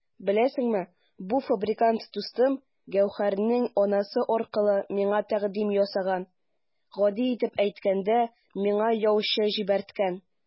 Беләсеңме, бу фабрикант дустым Гәүһәрнең анасы аркылы миңа тәкъдим ясаган, гади итеп әйткәндә, миңа яучы җибәрткән!